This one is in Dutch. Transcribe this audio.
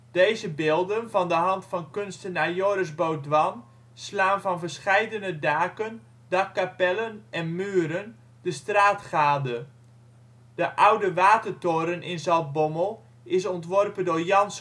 Deze beelden van de hand van kunstenaar Joris Baudoin slaan van verscheidene daken, dakkapellen en muren de straat gade. De oude watertoren in Zaltbommel is ontworpen door Jan